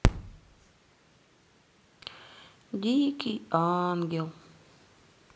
дикий ангел